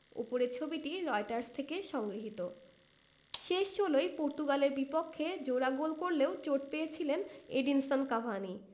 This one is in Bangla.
ওপরের ছবিটি রয়টার্স থেকে সংগৃহীত শেষ ষোলোয় পর্তুগালের বিপক্ষে জোড়া গোল করলেও চোট পেয়েছিলেন এডিনসন কাভানি